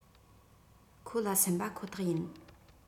ཁོ ལ སུན པ ཁོ ཐག ཡིན